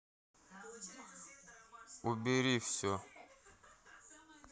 убери все